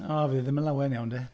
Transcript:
O fydd e ddim yn lawen iawn, de.